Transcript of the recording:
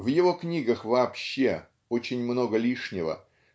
В его книгах вообще очень много лишнего